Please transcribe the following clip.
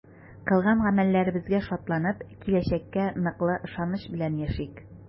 Кылган гамәлләребезгә шатланып, киләчәккә ныклы ышаныч белән яшик!